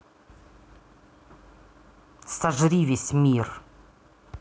сожри весь мир